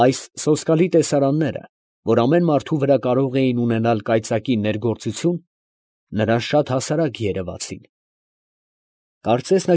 Այս սոսկալի տեսարանները, որ ամեն մարդու վրա կարող էին ունենալ կայծակի ներգործություն, նրան շատ հասարակ երևացին. կարծես,